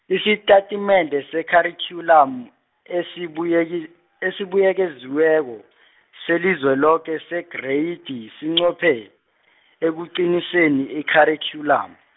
isitatimende seKharikhyulamu, esibuyeki- esibuyekeziweko, seliZweloke segreyidi sinqophe, ekuqiniseni ikharikhyulamu.